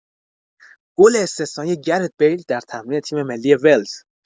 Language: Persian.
گل استثنایی گرت بیل در تمرین تیم‌ملی ولز